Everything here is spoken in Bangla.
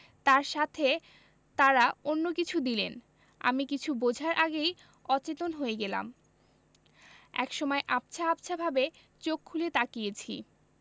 তার সাথে তারা অন্য কিছু দিলেন আমি কিছু বোঝার আগে অচেতন হয়ে গেলাম একসময় আবছা আবছাভাবে চোখ খুলে তাকিয়েছি